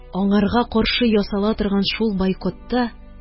Аңарга каршы ясала торган шул бойкотта